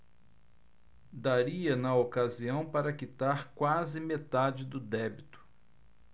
daria na ocasião para quitar quase metade do débito